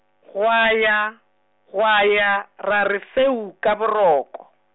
gwa ya, gwa ya, ra re feu ka boroko.